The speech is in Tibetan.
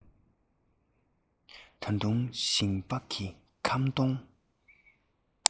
ད དུང ཞིང སྦུག གི ཁམ སྡོང